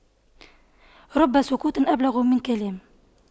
رب سكوت أبلغ من كلام